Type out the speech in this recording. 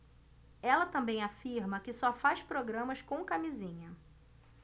ela também afirma que só faz programas com camisinha